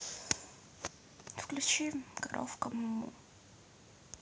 включить коровка му му